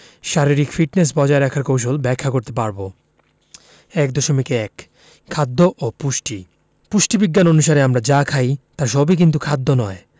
শারীরিক ফিটনেস বজায় রাখার কৌশল ব্যাখ্যা করতে পারব ১.১ খাদ্য ও পুষ্টি পুষ্টিবিজ্ঞান অনুসারে আমরা যা খাই তার সবই কিন্তু খাদ্য নয়